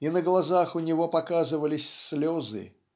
и на глазах у него показывались слезы